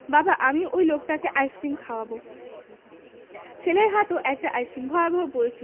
বাবা আমিও ঐ লোকটাকে আইসক্রিম খাওযাব ছেলের হাতও একটা আইসক্রিম ভয়াবহ পরিস্থিতি